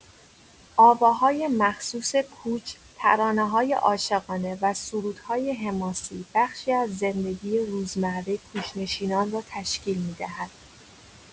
آواهای مخصوص کوچ، ترانه‌های عاشقانه و سرودهای حماسی بخشی از زندگی روزمره کوچ‌نشینان را تشکیل می‌دهد.